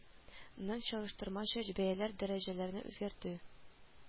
Ның чагыштырмача бәяләр дәрәҗәләр үзгәртү